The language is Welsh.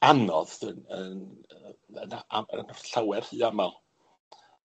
anodd yy yn yy yn yy am- yn llawer rhy amal.